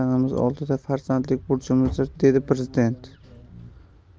ona vatanimiz oldidagi farzandlik burchimizdir dedi prezident